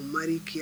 Mari kiy